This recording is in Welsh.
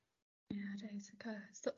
Ia reit wrth gwrs so